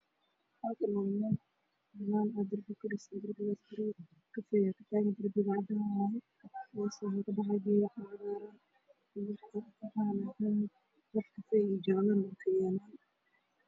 Meeshaan waa meel qurux badan oo la dayac tiray